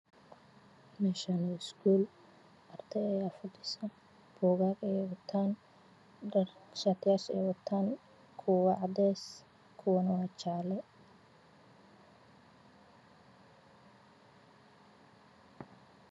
Meshani waa school ardey ayaa fadhisa waxay watan bugaag shatiyasha ay watan kuwo waa cadeys kuwana waa jaale